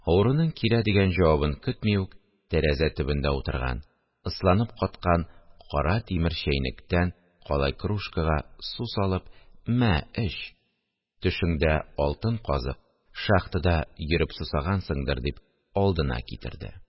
Авыруның «килә» дигән җавабын көтми үк, тәрәзә төбендә утырган, ысланып каткан кара тимер чәйнектән калай кружкага су салып: – Мә, эч! Төшеңдә алтын казып, шахтада йөреп сусагансыңдыр, – дип, алдына китерде